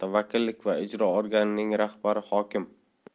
vakillik va ijro organining rahbari hokim